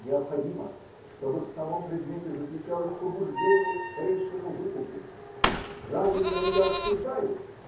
Необходимо, чтобы в самом предмете заключалось побуждение к скорейшему выкупу. Правильно ли я рассуждаю?